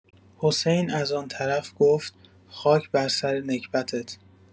حسین از آن‌طرف گفت: خاک بر سر نکبتت.